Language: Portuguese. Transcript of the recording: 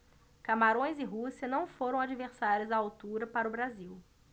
camarões e rússia não foram adversários à altura para o brasil